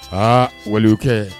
A walikɛ